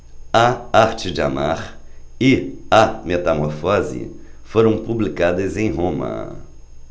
a arte de amar e a metamorfose foram publicadas em roma